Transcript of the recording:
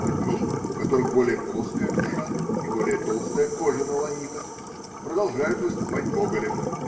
Одни, у которых более плоская душа и более толстая кожа на ланитах, продолжают выступать гоголем